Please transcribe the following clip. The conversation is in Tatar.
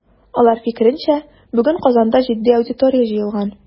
Алар фикеренчә, бүген Казанда җитди аудитория җыелган.